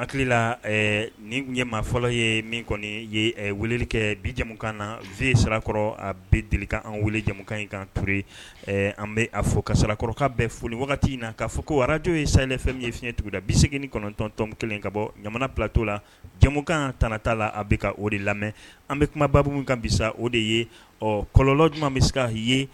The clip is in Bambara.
Hakili la nin ɲɛmaa fɔlɔ ye min kɔni weleli kɛ bija kan na v sarakɔrɔ a bɛ deli an weelejakan in kan toure an a fɔ ka sarakakɔrɔ bɛɛ foli wagati in na ka'a fɔ ko arajo ye safɛn min ye fiɲɛɲɛ tugunda bi segin kɔnɔntɔntɔn kelen ka bɔ ɲa ptɔ la jamukan t' la a bɛka ka o de lamɛn an bɛ kumaba min kan bisa o de ye ɔ kɔlɔlɔ ɲuman bɛ se ka yen